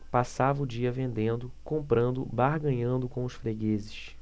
passava o dia vendendo comprando barganhando com os fregueses